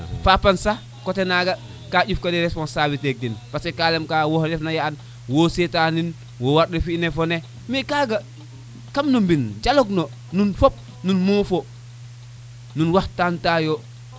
fopone sax cote laga ka ƴuf ka yo responsable te den parce que ka lem ka wo fe ref na ya ane wo setanun wo war u fi ne fo ne me kaga kam no mbine jalog no nuun fop nu mofo nuun waxtaan tayo